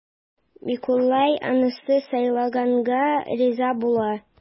Микулай анасы сайлаганга риза була.